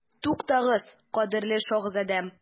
Туктагыз, кадерле шаһзадәм.